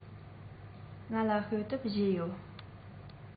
ང ལ དཔེ དེབ བཞི ཡོད